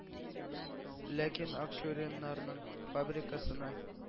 Ләкин Акчуриннарның фабрикасына